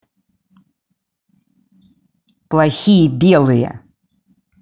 плохие белые